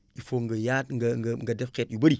il faut nga yaat nga nga def xeet yu bëri